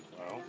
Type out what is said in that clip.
waaw